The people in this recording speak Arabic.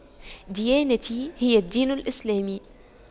ديانتي هي الدين الإسلامي